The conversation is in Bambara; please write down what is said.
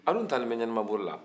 a dun taalen bɛ ɲanimaboli la